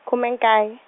khume nkaye.